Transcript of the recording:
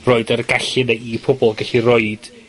rhoid ar y gallu 'na i pobol gellu roid